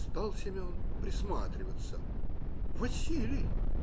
Стал Семен присматриваться - Василий